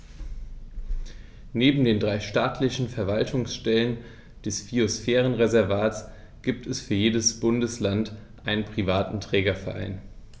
Neben den drei staatlichen Verwaltungsstellen des Biosphärenreservates gibt es für jedes Bundesland einen privaten Trägerverein.